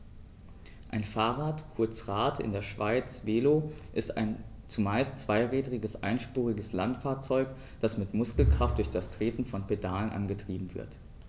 Ein Fahrrad, kurz Rad, in der Schweiz Velo, ist ein zumeist zweirädriges einspuriges Landfahrzeug, das mit Muskelkraft durch das Treten von Pedalen angetrieben wird.